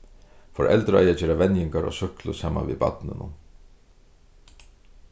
foreldur eiga at gera venjingar á súkklu saman við barninum